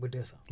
ba deux cent